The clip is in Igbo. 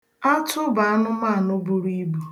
Atụ bụ anụmanụ buru ibu